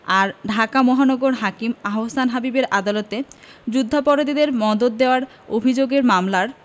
আর ঢাকা মহানগর হাকিম আহসান হাবীবের আদালতে যুদ্ধাপরাধীদের মদদ দেওয়ার অভিযোগের মামলার